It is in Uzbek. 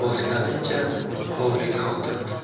bosganicha hovliga otildi